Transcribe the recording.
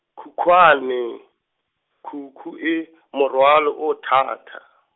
khukhwane, khukhu e , morwalo o thata.